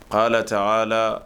Ala taa ala la